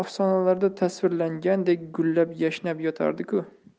afsonalarda tasvirlangandek gullab yashnab yotardiku